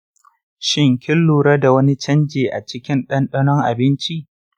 shin kin lura da wani canji a cikin ɗanɗanon abinci?